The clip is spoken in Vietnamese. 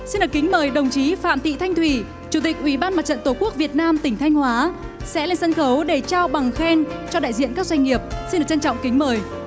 xin được kính mời đồng chí phạm thị thanh thủy chủ tịch ủy ban mặt trận tổ quốc việt nam tỉnh thanh hóa sẽ lên sân khấu để trao bằng khen cho đại diện các doanh nghiệp xin được trân trọng kính mời